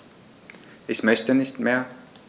Ich möchte nicht mehr.